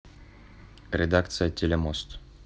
редакция телемост